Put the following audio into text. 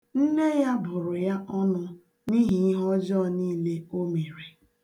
Nne ya bụrụ ya ọnụ n'ihi ihe ọjọọ niile o mere ya.